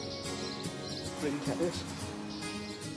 Bryn Terrace.